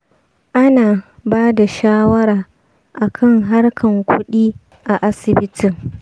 ana bada shawara akan harkan kuɗi a asibitin.